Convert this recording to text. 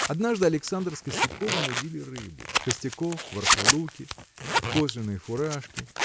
Однажды Александр с Костяковым удили рыбу. Костяков в архалуке в кожаной фуражке